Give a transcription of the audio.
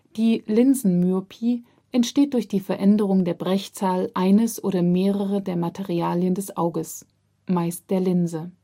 Die Linsenmyopie entsteht durch die Veränderung der Brechzahl eines oder mehrerer der Materialien des Auges (meist der Linse